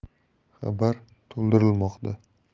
xabar to'ldirilmoqda